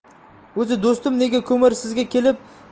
o'zi do'stim nega ko'mir sizga kelib